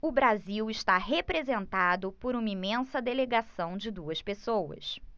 o brasil está representado por uma imensa delegação de duas pessoas